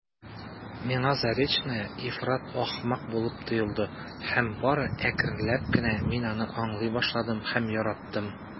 Миңа Заречная ифрат ахмак булып тоелды һәм бары әкренләп кенә мин аны аңлый башладым һәм яраттым.